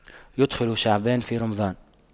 يُدْخِلُ شعبان في رمضان